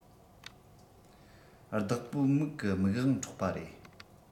བདག པོ མིག གི མིག དབང འཕྲོག པ རེད